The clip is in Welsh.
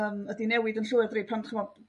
yym 'di newid yn llwyr dyri? Pan ch'mbo